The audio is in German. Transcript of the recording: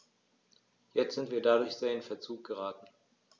Jetzt sind wir dadurch sehr in Verzug geraten.